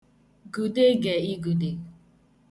gùde gè ịgùdè